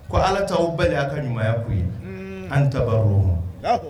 Ko ala taa o balima' ka ɲumanya koyi ye an tabaa ma